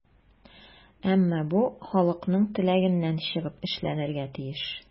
Әмма бу халыкның теләгеннән чыгып эшләнергә тиеш.